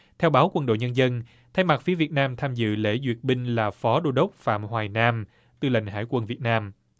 theo báo quân đội nhân dân thay mặt phía việt nam tham dự lễ duyệt binh là phó đô đốc phạm hoài nam tư lệnh hải quân việt nam